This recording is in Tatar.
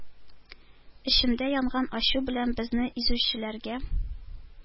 Эчемдә янган ачу белән безне изүчеләргә